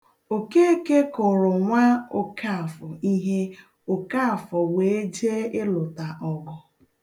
Okeke kụrụ nwa Okafọ ihe, Okafọ wee jee ịlụta ọgụ.